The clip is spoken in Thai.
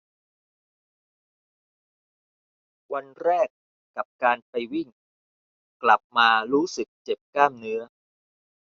วันแรกกับการไปวิ่งกลับมารู้สึกเจ็บกล้ามเนื้อ